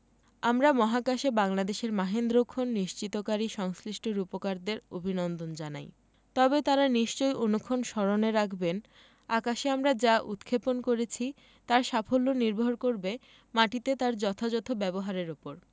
আমরা মহাকাশে বাংলাদেশের মাহেন্দ্রক্ষণ নিশ্চিতকারী সংশ্লিষ্ট রূপকারদের অভিনন্দন জানাই তবে তাঁরা নিশ্চয় অনুক্ষণ স্মরণে রাখবেন আকাশে আমরা যা উৎক্ষেপণ করেছি তার সাফল্য নির্ভর করবে মাটিতে তার যথাযথ ব্যবহারের ওপর